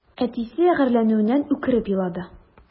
Әтисе гарьләнүеннән үкереп елады.